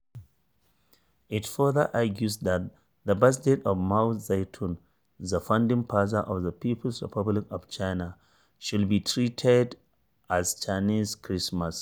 It further argues that the birthday of Mao Zedong, the founding father of the People's Republic of China, should be treated as China’s Christmas: